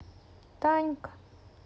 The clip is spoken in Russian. танька